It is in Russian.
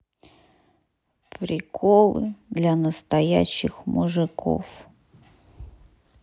приколы для настоящих мужиков